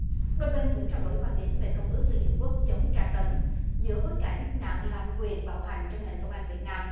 đôi bên cũng trao đổi quan điểm về công ước liên hiệp quốc chống tra tấn giữa bối cảnh nạn lạm quyền bạo hành trong ngành công an việt nam